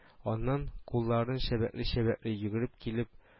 Аннан, кулларын чәбәкли-чәбәкли йөгереп килеп